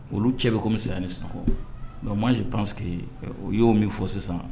Olu cɛ bɛ komi mi ni sunɔgɔkɔ bon makansi passigi u y'o min fɔ sisan